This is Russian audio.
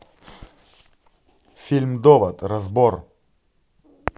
фильм довод разбор